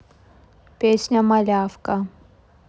песня малявка